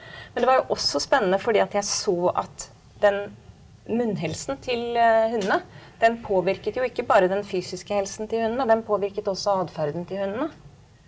men det var jo også spennende fordi at jeg så at den munnhelsen til hundene den påvirket jo ikke bare den fysiske helsen til hundene den påvirket også adferden til hundene.